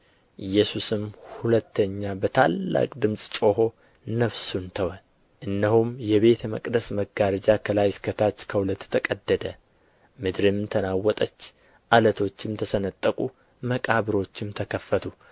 ኢየሱስም ሁለተኛ በታላቅ ድምፅ ጮኾ ነፍሱን ተወ እነሆም የቤተ መቅደስ መጋረጃ ከላይ እስከ ታች ከሁለት ተቀደደ ምድርም ተናወጠች ዓለቶችም ተሰነጠቁ መቃብሮችም ተከፈቱ